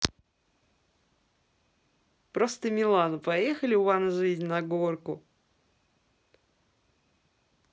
просто милана поехали one жизнь на горку